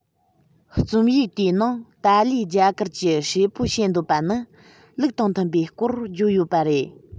རྩོམ ཡིག དེའི ནང ཏཱ ལའི རྒྱ གར གྱི སྲས པོ བྱེད འདོད པ ནི ལུགས དང མཐུན པའི སྐོར བརྗོད ཡོད པ རེད